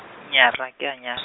nnyaa rra ke a nya-.